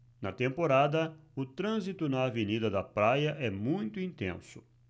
na temporada o trânsito na avenida da praia é muito intenso